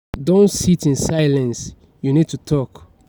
Don't sit in silence - you need to talk."